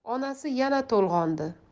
onasi yana to'lg'ondi